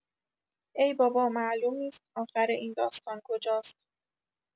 ای بابا معلوم نیست آخر این داستان کجاست.